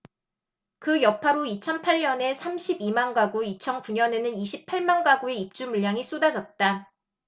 그 여파로 이천 팔 년에 삼십 이 만가구 이천 구 년에는 이십 팔 만가구의 입주물량이 쏟아졌다